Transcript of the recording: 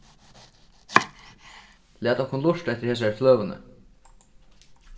lat okkum lurta eftir hesari fløguni